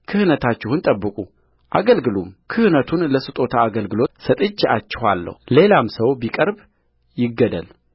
ክህነታችሁን ጠብቁ አገልግሉም ክህነቱን ለስጦታ አገልግሎት ሰጥቼአችኋለሁ ሌላም ሰው ቢቀርብ ይገደል